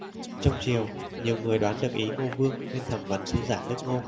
trong triều nhiều người đoán được ý ngô vương nên thẩm vấn sứ giả nước ngô